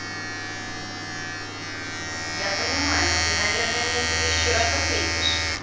я понимаю но ты наверное мне эти тысячу раз ответишь